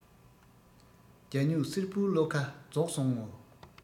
རྒྱ སྨྱུག སེར པོའི བློ ཁ རྫོགས སོང ངོ